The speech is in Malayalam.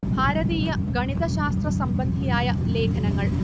ഭാരതീയ ഗണിത ശാസ്ത്ര സംബന്ധിയായ ലേഖനങ്ങൾ